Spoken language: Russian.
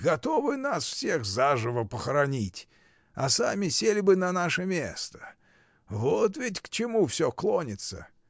готовы нас всех заживо похоронить, а сами сели бы на наше место, — вот ведь к чему всё клонится!